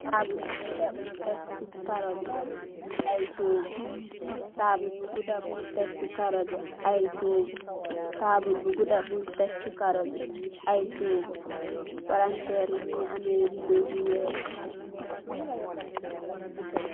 Table bu gouda bun tekk se karou be aye toogu, table bu gouda bun tekk se karou be aye toogu , table bu gouda bun tekk se karou be aye toogu, palanterr yee muge ameh redu yu weehe.